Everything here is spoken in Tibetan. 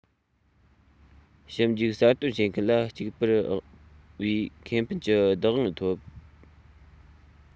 ཞིབ འཇུག གསར གཏོད བྱེད མཁན ལ གཅིག པུར དབང བའི ཁེ ཕན གྱི བདག དབང ཐོབ